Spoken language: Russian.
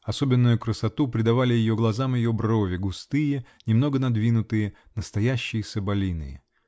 Особенную красоту придавали ее глазам ее брови, густые, немного надвинутые, настоящие соболиные.